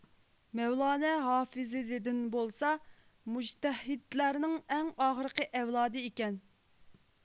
مەۋلانە ھافىزىددىن بولسا مۇجتەھىدلەرنىڭ ئەڭ ئاخىرقى ئەۋلادى ئىكەن